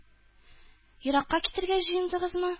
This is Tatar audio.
Еракка китәргә җыендыгызмы?